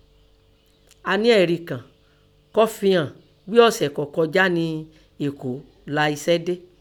A nẹ erí kan kọ́ fi hàn ghí ọ̀sẹ̀ kọ́ kọjá nẹ́ Èkó la ẹ̀sẹ̀ dé.